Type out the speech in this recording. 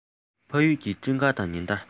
ཕ ཡུལ གྱི སྤྲིན དཀར དང ཉི ཟླ